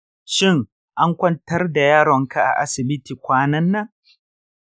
shin an kwantar da yaronka a asibiti kwanan nan?